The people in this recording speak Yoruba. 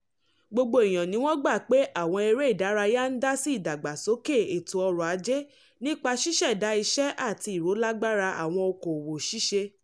Gbogbo èèyàn ni wọ́n gbà pé àwọn eré ìdárayá ń dá sí ìdàgbàsókè ètò ọrọ̀-ajé nípa ṣíṣẹ̀dá iṣẹ́ àti ìrólágbára àwọn òkòwò ṣíṣe.